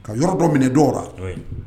Ka yɔrɔ dɔ minɛ dɔw la, ouais